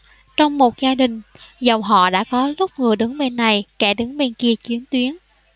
trong một gia đình dòng họ đã có lúc người đứng bên này kẻ đứng bên kia chiến tuyến